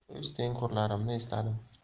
o'z tengqurlarimni esladim